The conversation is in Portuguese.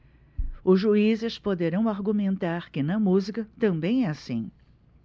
os juízes poderão argumentar que na música também é assim